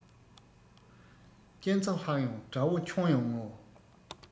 རྐྱེན རྩ ལྷག ཡོང དགྲ བོ མཆོངས ཡོང ངོ